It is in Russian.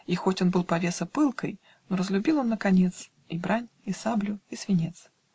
И хоть он был повеса пылкой, Но разлюбил он наконец И брань, и саблю, и свинец.